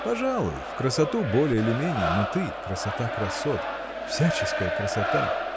— Пожалуй, в красоту более или менее, но ты — красота красот, всяческая красота!